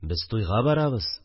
– без туйга барабыз